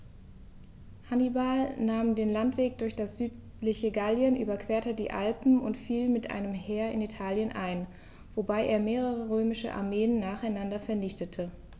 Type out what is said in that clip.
Hannibal nahm den Landweg durch das südliche Gallien, überquerte die Alpen und fiel mit einem Heer in Italien ein, wobei er mehrere römische Armeen nacheinander vernichtete.